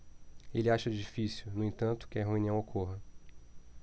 ele acha difícil no entanto que a reunião ocorra